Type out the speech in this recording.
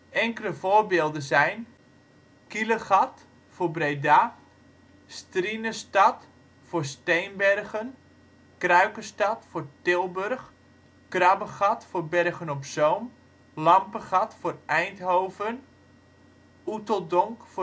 Enkele voorbeelden zijn: Kielegat: Breda, Strienestad: Steenbergen, Kruikestad: Tilburg, Krabbegat: Bergen op Zoom, Lampegat: Eindhoven, Oeteldonk